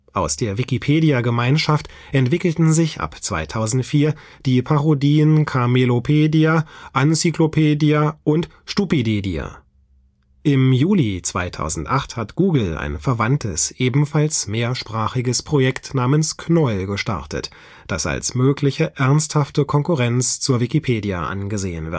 Aus der Wikipedia-Gemeinschaft entwickelten sich ab 2004 die Parodien Kamelopedia, Uncyclopedia und Stupidedia. Im Juli 2008 hat Google ein verwandtes ebenfalls mehrsprachiges Projekt namens Knol gestartet, das als mögliche ernsthafte Konkurrenz zur Wikipedia angesehen